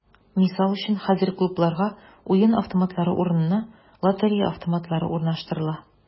Мисал өчен, хәзер клубларга уен автоматлары урынына “лотерея автоматлары” урнаштырыла.